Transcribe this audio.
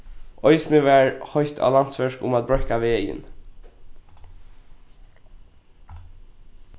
eisini var heitt á landsverk um at breiðka vegin